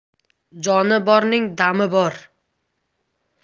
joni borning dami bor